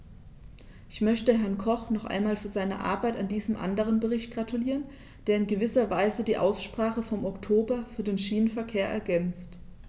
Ich möchte Herrn Koch noch einmal für seine Arbeit an diesem anderen Bericht gratulieren, der in gewisser Weise die Aussprache vom Oktober über den Schienenverkehr ergänzt.